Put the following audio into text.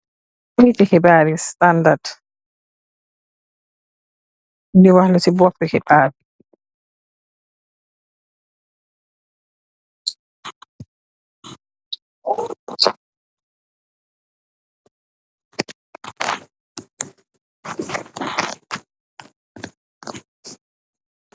Keyti xibaar yi standard nyui wah la si bopi xibaar.